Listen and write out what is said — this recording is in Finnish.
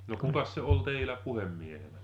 no kukas se oli teillä puhemiehenä